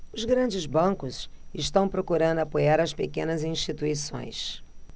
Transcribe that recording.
os grandes bancos estão procurando apoiar as pequenas instituições